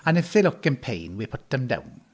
And if they look in pain, we put them down.